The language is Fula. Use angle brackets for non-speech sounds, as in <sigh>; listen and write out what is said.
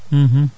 <hesitation> <hesitation>